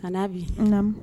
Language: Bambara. Ka n'a bi